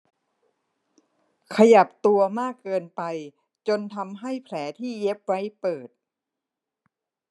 ขยับตัวมากเกินไปจนทำให้แผลที่เย็บไว้เปิด